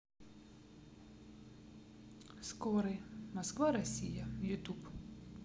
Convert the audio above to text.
скорый москва россия ютуб